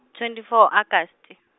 twenty four Agasti.